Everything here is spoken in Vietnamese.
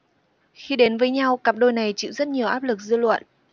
khi đến với nhau cặp đôi này chịu rất nhiều áp lực dư luận